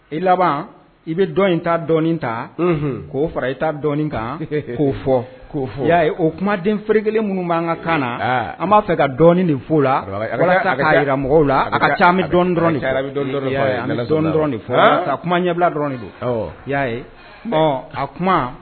I laban i bɛ dɔn ta dɔɔnin ta k'o fara i t taa dɔn ta k'o fɔ k'o fɔa o kuma den feere minnu bɛ an ka kan na an b'a fɛ ka dɔɔnin nin fo la a mɔgɔw la a ka ca dɔn dɔrɔn dɔrɔn ka kuma ɲɛbila dɔrɔn don y'a a kuma